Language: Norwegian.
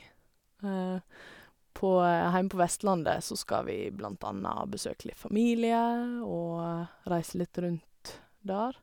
på Heime på Vestlandet så skal vi blant anna besøke litt familie og reise litt rundt der.